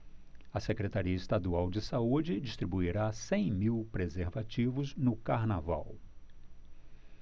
a secretaria estadual de saúde distribuirá cem mil preservativos no carnaval